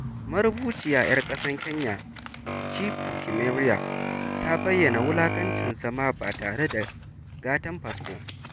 Marubuciya ‘yar ƙasar Kenya Ciku Kimeria ta bayyana wulaƙancin zama ba tare da "gatan fasfo".